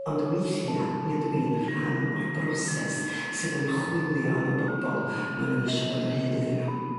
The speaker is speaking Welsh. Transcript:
Ond weithia mi ydw i'n rhan o'r broses sydd yn chwilio am y bobol ma' n'w isio dod o hyd iddyn n'w.